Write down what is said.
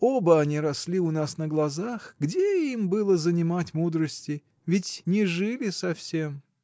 — Оба они росли у нас на глазах: где им было занимать мудрости, ведь не жили совсем!